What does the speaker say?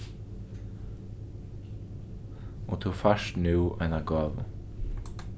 og tú fært nú eina gávu